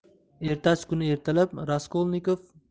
ertasi kuni ertalab raskolnikov